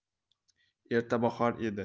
erta bahor edi